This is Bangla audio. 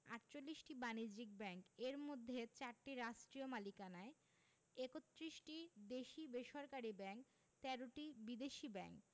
৪৮টি বাণিজ্যিক ব্যাংক এর মধ্যে ৪টি রাষ্ট্রীয় মালিকানায় ৩১টি দেশী বেসরকারি ব্যাংক ১৩টি বিদেশী ব্যাংক